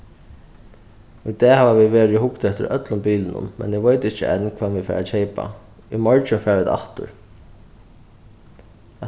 í dag hava vit verið og hugt eftir øllum bilunum men eg veit ikki enn hvønn vit fara at keypa í morgin fara vit aftur